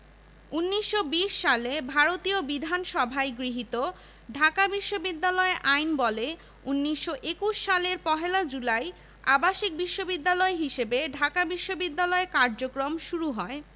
বিজ্ঞান অনুষদের অধীনে ছিল পদার্থবিদ্যা রসায়ন এবং গণিত আইন অনুষদের অধীনে ছিল শুধুমাত্র আইন বিভাগ